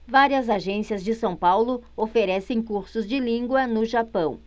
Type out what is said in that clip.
várias agências de são paulo oferecem cursos de língua no japão